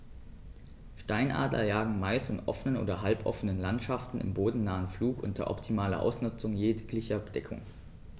Steinadler jagen meist in offenen oder halboffenen Landschaften im bodennahen Flug unter optimaler Ausnutzung jeglicher Deckung.